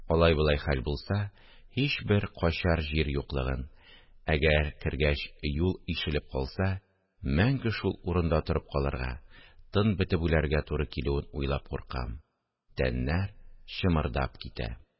Алай-болай хәл булса, һичбер качар җир юклыгын, әгәр кергәч юл ишелеп калса, мәңге шул урында торып калырга, тын бетеп үләргә туры килүен уйлап куркам, тәннәр чымырдап китә